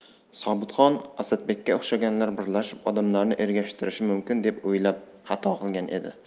sobitxon asadbekka o'xshaganlar birlashib odamlarni ergashtirishi mumkin deb o'ylab xato qilgan edi